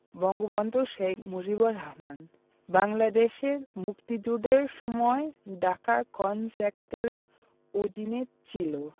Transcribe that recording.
বঙ্গবন্ধু শেখ মুজিবুর রহমান বাংলাদেশের মুক্তিযুদ্ধের সময় ঢাকা কোন সেক্টরের অধীনে ছিলো